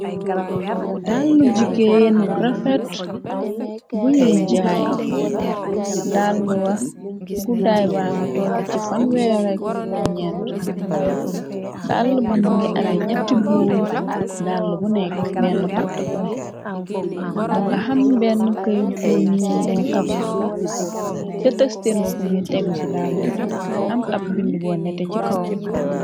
Dallu jigeenwu rafet buñuy jaay dàllwa guddaaybanga toll ci 39dalla bi mu ngi amé ñatti buum dall bu nekk bnn patt puné mu nga xam benn këyitgu ñuul guñ taf ca tësten wu fm tégu ci dàll bi xam ab bind boo neté ci kawom.